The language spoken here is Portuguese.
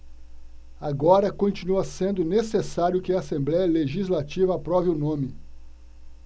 agora continua sendo necessário que a assembléia legislativa aprove o nome